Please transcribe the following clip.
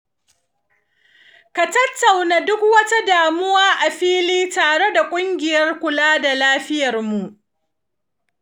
ka tattauna duk wata damuwa a fili tare da ƙungiyar kula da lafiyarmu.